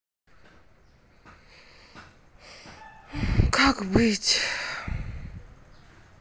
как быть